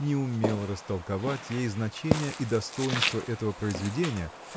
не умел растолковать ей значения и достоинства этого произведения.